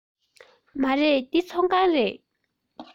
མ རེད འདི ཚོང ཁང རེད